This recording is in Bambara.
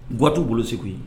G gatuw bolo segu yen